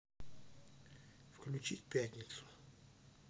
включить пятницу